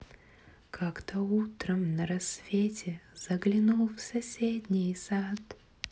как то утром на рассвете заглянул в соседний сад